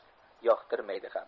yoqtirmaydi ham